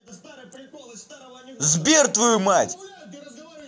сбер твою мать